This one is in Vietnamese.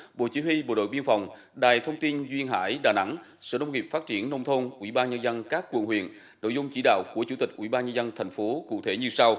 bộ chỉ huy bộ đội biên phòng đài thông tin duyên hải đà nẵng sở nông nghiệp phát triển nông thôn ủy ban nhân dân các quận huyện nội dung chỉ đạo của chủ tịch ủy ban nhân dân thành phố cụ thể như sau